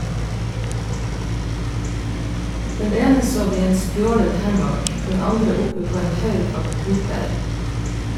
Den ene sov i en stjålet hammock, den andre oppe på en haug av puter.